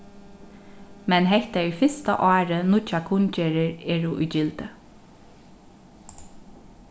men hetta er fyrsta árið nýggja kunngerðir eru í gildi